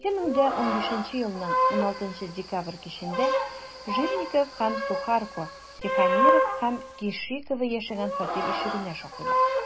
2015 елның 16 декабрь кичендә жильников һәм сухарко тихомиров һәм кешикова яшәгән фатир ишегенә шакыйлар.